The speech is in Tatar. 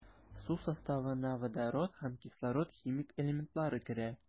Су составына водород һәм кислород химик элементлары керә.